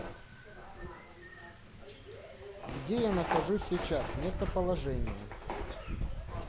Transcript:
где я нахожусь сейчас местоположение